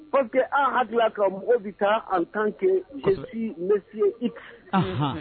Or que aw hakila mɔgɔw be ka mɔgɔ bi taa en tant que je suis metriotique